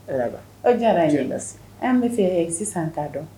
Diyara an bɛ fɛ sisan t'a dɔn